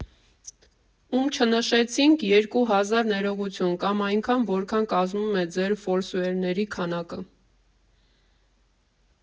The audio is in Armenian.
Ում չնշեցինք՝ երկու հազար ներողություն (կամ այնքան, որքան կազմում է ձեր ֆոլոուերների քանակը)։